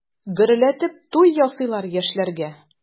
Гөрләтеп туй ясыйлар яшьләргә.